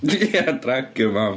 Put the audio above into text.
Ia, dragio mam.